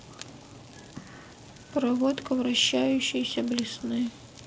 проводка вращающейся блесны